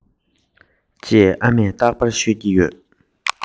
ཅེས ཨ མས རྟག པར ཤོད ཀྱི ཡོད